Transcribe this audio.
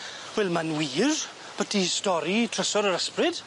Wel ma'n wir bwti stori trysor yr ysbryd.